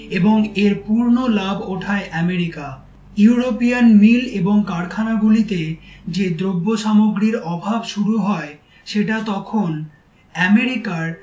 এবং এর পূর্ণ লাভ ওঠায় এমেরিকা ইউরোপিয়ান মিল এবং কারখানা গুলিতে যে দ্রব্যসামগ্রীর অভাব শুরু হয় সেটা তখন অ্যামেরিকার